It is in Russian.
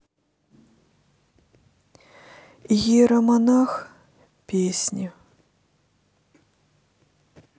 иеромонах песни